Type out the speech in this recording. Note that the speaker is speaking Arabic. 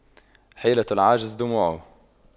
حيلة العاجز دموعه